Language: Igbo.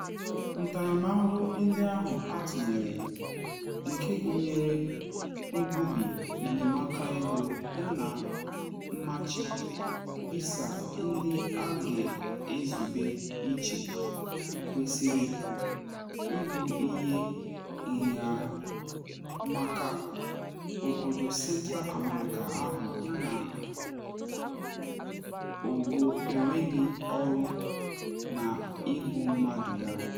Ntaramahụhụ ndị ahụ atụnyere, nke gụnyere mgbubi n’enyemaka ego yana mmachi visa ndị a ga-ezube iche, kwesịrị ịbụ ihe nhịahụ maka obodo Central America ahụ yana ogo enweghị ọrụ na igbu mmadụ ya.